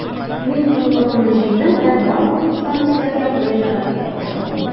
Мин кыюлыгымны җыйдым һәм барлык инстанцияләргә мөрәҗәгать итә башладым.